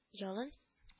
Ялын